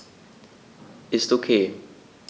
Ist OK.